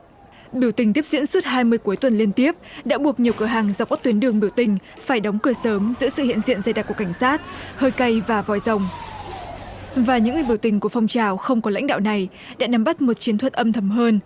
biểu tình tiếp diễn suốt hai mươi cuối tuần liên tiếp đã buộc nhiều cửa hàng dọc các tuyến đường biểu tình phải đóng cửa sớm giữa sự hiện diện dày đặc của cảnh sát hơi cay và vòi rồng và những người biểu tình của phong trào không có lãnh đạo này đã nắm bắt một chiến thuật âm thầm hơn